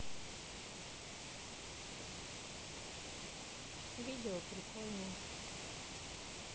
видео прикольное